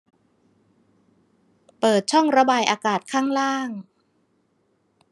เปิดช่องระบายอากาศข้างล่าง